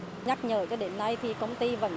nhắc nhở cho đến nay thì công ty vẫn